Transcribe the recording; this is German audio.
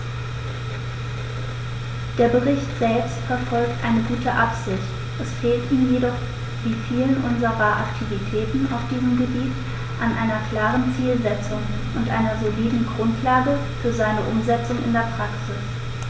Der Bericht selbst verfolgt eine gute Absicht, es fehlt ihm jedoch wie vielen unserer Aktivitäten auf diesem Gebiet an einer klaren Zielsetzung und einer soliden Grundlage für seine Umsetzung in die Praxis.